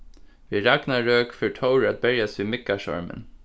við ragnarøk fer tórur at berjast við miðgarðsormin